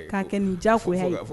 K' kɛ nin ja fo fɔ